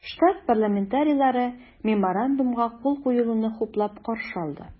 Штат парламентарийлары Меморандумга кул куелуны хуплап каршы алды.